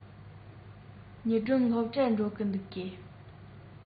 ཉི སྒྲོན སློབ གྲྭར འགྲོ གི འདུག གས